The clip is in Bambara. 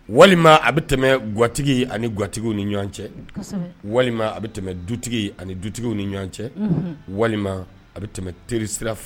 Walima a bɛ tɛmɛ gatigi ani gatigiw ni ɲɔgɔn cɛ walima a bɛ tɛmɛ dutigi ani dutigiw ni ɲɔgɔn cɛ walima a bɛ tɛmɛ teriri sira fɛ